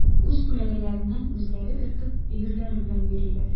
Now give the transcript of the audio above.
Үз күләгәләреннән үзләре өркеп, өерләре белән йөриләр.